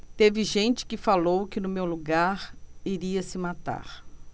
teve gente que falou que no meu lugar iria se matar